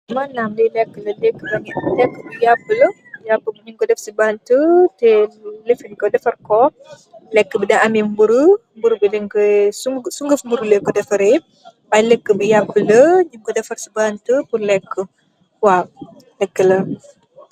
Manam li lekk lah, lekk bangi, lekk bi yapu lah, yapu bi nyun ko def si bante, te lifin ko, defare ko, lekk bi de ami boru, buro bi degko, sugufi boru leej ko defare, way lekk bi yapu lah, def si bante pur lekk, waw lekk la